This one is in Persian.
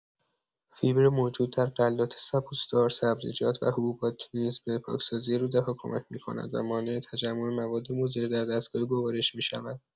فیبر موجود در غلات سبوس‌دار، سبزیجات و حبوبات نیز به پاکسازی روده‌ها کمک می‌کند و مانع تجمع مواد مضر در دستگاه گوارش می‌شود.